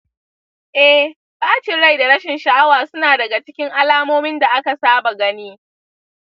eh, bacin rai da rashin sha'awa suna daga cikin alamomin da aka saba gani.